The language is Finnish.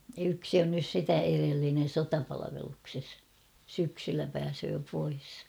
yksi on nyt sitä edellinen sotapalveluksessa syksyllä pääsee pois